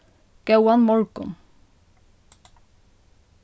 góðan morgun